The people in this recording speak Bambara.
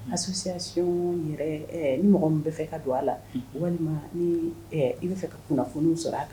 A susisi yɛrɛ ni mɔgɔ min bɛa fɛ ka don a la walima ni i bɛ fɛ ka kunnafoniw sɔrɔ a kan